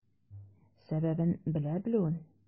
Сәбәбен белә белүен.